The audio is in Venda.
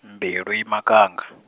Mbilwi Makanga.